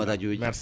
merci beaucoup